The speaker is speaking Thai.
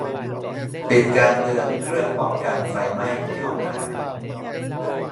ปิดการเตือนเครื่องป้องกันไฟไหม้ในห้องอาหาร